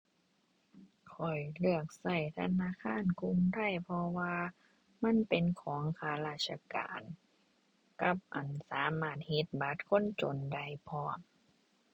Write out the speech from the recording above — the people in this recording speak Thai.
ข้อยเลือกใช้ธนาคารกรุงไทย เพราะว่ามันเป็นของข้าราชการกับ อั่น สามารถเฮ็ดบัตรคนจนได้พร้อม